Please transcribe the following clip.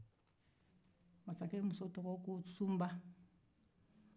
masakɛ muso tɔgɔ ye ko sunba